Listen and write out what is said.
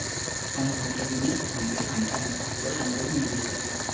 ông là con trai duy nhất của hoàng đế hàm phong với lan quý nhân từ hy